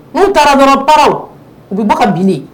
N'u taara paraw u bɛ bɔ ka bin